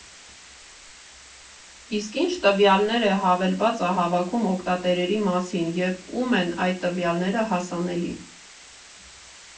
Իսկ ի՞նչ տվյալներ է հավելվածը հավաքում օգտատերերի մասին և ու՞մ են այդ տվյալները հասանելի։